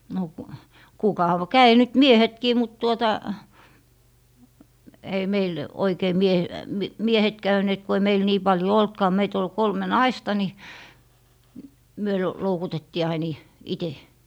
no - kävi nyt miehetkin mutta tuota ei meillä oikein -- miehet käyneet kun ei meillä niin paljon ollutkaan meitä oli kolme naista niin me - loukutettiin aina - itse